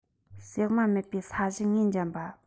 གསེག མ མེད པའི ས གཞི ངོས འཇམ པ